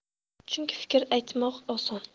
chunki fikr aytmoq oson